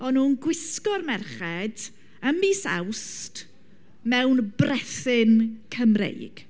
O'n nhw'n gwisgo'r merched ym mis Awst mewn brethyn Cymreig.